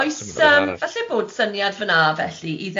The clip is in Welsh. Oes yym falle bod syniad fan'na felly i ddechre